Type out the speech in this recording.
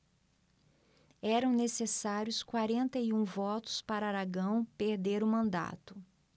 eram necessários quarenta e um votos para aragão perder o mandato